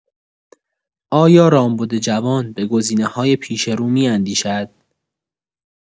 آیا رامبد جوان به گزینه‌های پیش رو می‌اندیشد؟